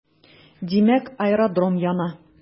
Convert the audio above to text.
Димәк, аэродром яна.